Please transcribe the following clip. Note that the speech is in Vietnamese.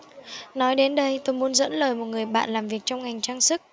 nói đến đây tôi muốn dẫn lời một người bạn làm việc trong ngành trang sức